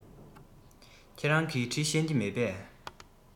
ཁྱེད རང གིས འབྲི ཤེས ཀྱི མེད པས